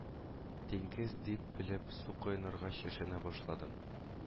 Диңгез дип белеп, су коенырга чишенә башладым